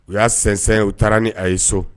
U y'a sensɛn u taara ni a ye so